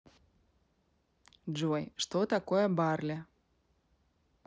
джой что такое barley